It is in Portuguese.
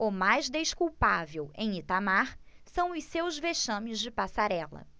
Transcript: o mais desculpável em itamar são os seus vexames de passarela